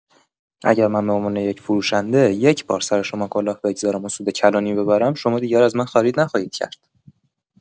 اگر من به عنوان یک فروشنده، یک‌بار سر شما کلاه بگذارم و سود کلانی ببرم شما دیگر از من خرید نخواهید کرد!